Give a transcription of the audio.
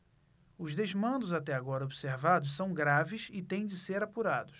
os desmandos até agora observados são graves e têm de ser apurados